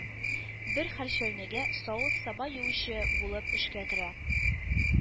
Бер хэрчэүнигә савыт-саба юучы булып эшкә керә.